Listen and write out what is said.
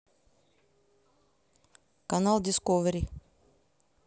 канал дисковери